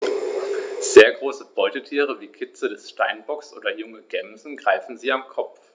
Sehr große Beutetiere wie Kitze des Steinbocks oder junge Gämsen greifen sie am Kopf.